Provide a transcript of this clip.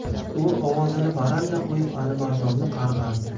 u ovozini baralla qo'yib alimardonni qarg'ardi